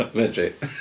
Medri.